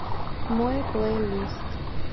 мой плейлист